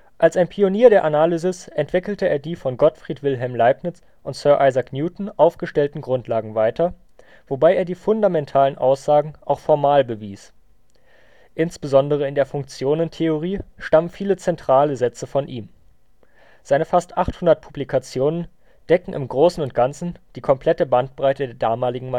Als ein Pionier der Analysis entwickelte er die von Gottfried Wilhelm Leibniz und Sir Isaac Newton aufgestellten Grundlagen weiter, wobei er die fundamentalen Aussagen auch formal bewies. Insbesondere in der Funktionentheorie stammen viele zentrale Sätze von ihm. Seine fast 800 Publikationen decken im Großen und Ganzen die komplette Bandbreite der damaligen